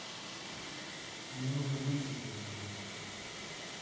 мне нужно выйти из этой игры